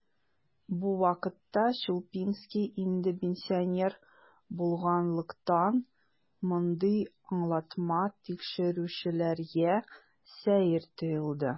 Бу вакытка Чуплинский инде пенсионер булганлыктан, мондый аңлатма тикшерүчеләргә сәер тоелды.